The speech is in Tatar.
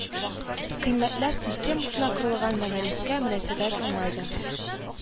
Кыйммәтләр системасына корылган мәгарифкә мөнәсәбәт уңай да,